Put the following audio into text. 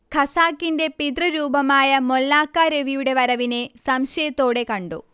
ഖസാക്കിന്റെ പിതൃരൂപമായ മൊല്ലാക്ക രവിയുടെ വരവിനെ സംശയത്തോടെ കണ്ടു